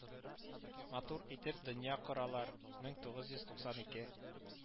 Матур итеп дөнья коралар, мең тугыз йөз туксан ике